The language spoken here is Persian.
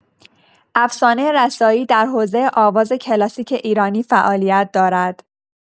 افسانه رسایی در حوزه آواز کلاسیک ایرانی فعالیت دارد.